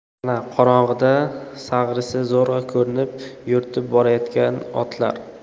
mana qorong'ida sag'risi zo'rg'a ko'rinib yo'rtib borayotgan otlar